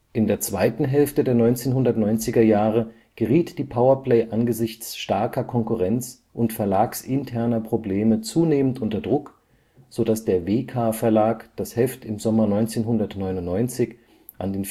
In der zweiten Hälfte der 1990er Jahre geriet die Power Play angesichts starker Konkurrenz und verlagsinterner Probleme zunehmend unter Druck, so dass der WEKA Verlag das Heft im Sommer 1999 an